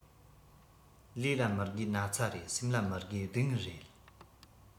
ལུས ལ མི དགོས ན ཚ རེད སེམས ལ མི དགོས སྡུག བསྔལ རེད